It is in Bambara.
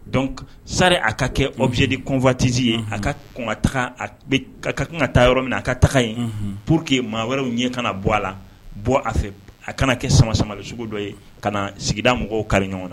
Dɔn sari a ka kɛ mojɛdi kɔnfatizsi ye a ka kun ka kan ka taa yɔrɔ min a ka taga yen pour que maa wɛrɛw ɲɛ ka bɔ a la bɔ a fɛ a kana kɛ sama sama sugu dɔ ye ka na sigida mɔgɔw ka ɲɔgɔn na